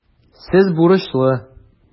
Сез бурычлы.